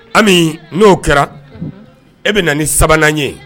Ami n'o kɛra e bɛ na ni sabanan ye